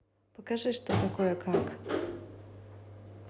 покажи что такое как